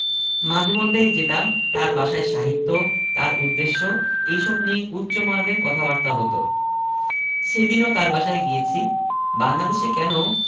মাঝে মধ্যেই যেতাম তার বাসায় সাহিত্য তার উদ্দেশ্য এইসব নিয়ে উচ্চমার্গের কথাবার্তা হত সেদিনও তার বাসায় গিয়েছি বাংলাদেশে কেন